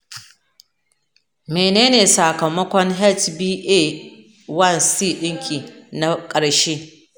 mene ne samakon hba1c ɗinki na ƙarshe?